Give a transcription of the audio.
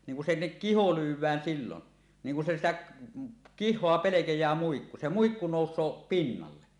niin kun sinne kiho lyödään silloin niin kun se sitä kihoa pelkää muikku se muikku nousee pinnalle